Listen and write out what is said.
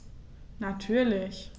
Natürlich.